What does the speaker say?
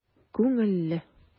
Күңелле!